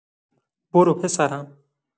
برو پسرم.